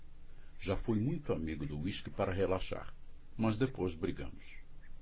já fui muito amigo do uísque para relaxar mas depois brigamos